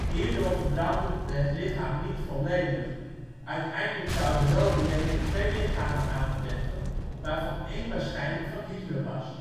Hierdoor verbrandde het lichaam niet volledig. Uiteindelijk zou het Rode Leger twee lichamen aantreffen, waarvan één ' waarschijnlijk van Hitler ' was